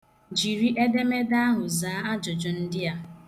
Jiri edemede ahụ jaa ajụjụ ndị a.